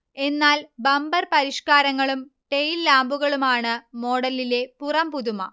എന്നാൽ ബമ്പർ പരിഷ്കാരങ്ങളും ടെയിൽ ലാമ്പുകളുമാണ് മോഡലിലെ പുറംപുതുമ